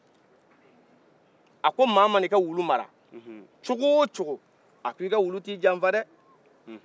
a ko ma mana i ka wulu mara cogo wo cogo a ko i ka wulu tɛ i janfa dɛ